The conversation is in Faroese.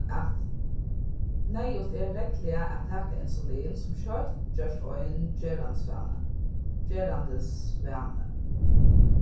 at neyðugt er regluliga at taka insulin sum skjótt gerst ein gerandisvani gerandisvani